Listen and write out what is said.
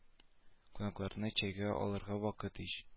Кунакларны чәйгә алырга вакыт ич